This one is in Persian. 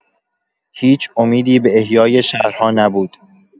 هیچ امیدی به احیای شهرها نبود.